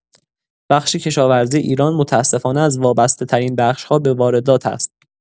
بخش کشاورزی ایران متاسفانه از وابسته‌ترین بخش‌ها به واردات است.